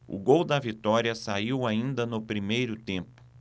o gol da vitória saiu ainda no primeiro tempo